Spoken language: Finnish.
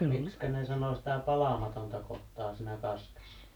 miksikä ne sanoi sitä palamatonta kohtaa siinä kaskessa